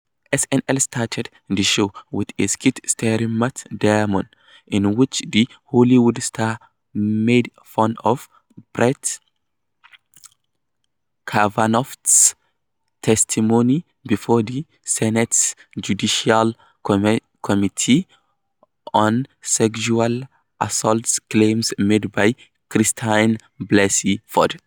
SNL started the show with a skit starring Matt Damon in which the Hollywood star made fun of Brett Kavanaugh's testimony before the Senate Judicial Committee on sexual assault claims made by Christine Blasey Ford.